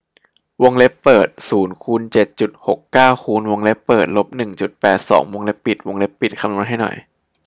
วงเล็บเปิดศูนย์คูณเจ็ดจุดหกเก้าคูณวงเล็บเปิดลบหนึ่งจุดแปดสองวงเล็บปิดวงเล็บปิดคำนวณให้หน่อย